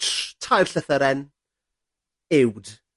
tr- tair llythyren. Uwd.